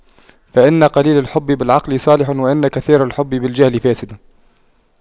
فإن قليل الحب بالعقل صالح وإن كثير الحب بالجهل فاسد